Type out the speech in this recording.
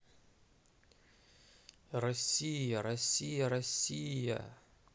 россия россия россия